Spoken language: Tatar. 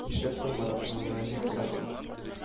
— нишләп соң маратыңны гына җибәрмәдең